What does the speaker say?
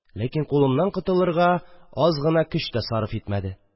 Ләкин кулымнан котылырга аз гына көч тә сарыф итмәде.